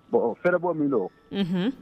Bon o fɛrɛbɔ min don